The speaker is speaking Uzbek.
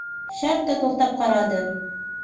shartta to'xtab qaradi